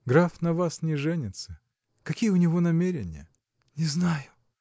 Граф на вас не женится: какие у него намерения?. – Не знаю!